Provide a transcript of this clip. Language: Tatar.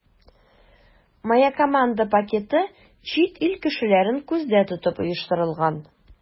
“моя команда” пакеты чит ил кешеләрен күздә тотып оештырылган.